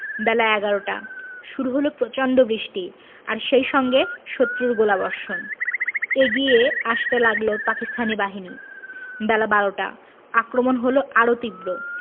বেলা এগারোটা শুরু হলো প্রচণ্ড বৃষ্টি আর সেই সঙ্গে শত্রুর গোলাবর্ষণ এগিয়ে আসতে লাগল পাকিস্তানি বাহিনী বেলা বারোটা আক্রমণ হলো আরও তীব্র